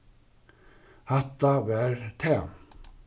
hatta var tað